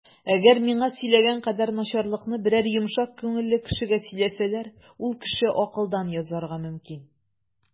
Әгәр миңа сөйләгән кадәр начарлыкны берәр йомшак күңелле кешегә сөйләсәләр, ул кеше акылдан язарга мөмкин.